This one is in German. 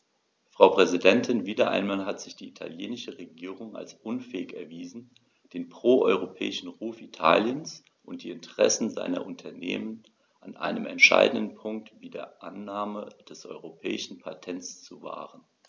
Frau Präsidentin, wieder einmal hat sich die italienische Regierung als unfähig erwiesen, den pro-europäischen Ruf Italiens und die Interessen seiner Unternehmen an einem entscheidenden Punkt wie der Annahme des europäischen Patents zu wahren.